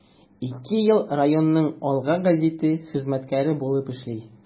Ике ел районның “Алга” гәзите хезмәткәре булып эшли.